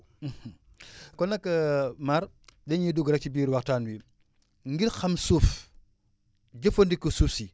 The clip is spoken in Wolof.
kon nag Mar dañuy dugg rek ci biir waxtaan wi ngir xam suuf jëfandiku suuf si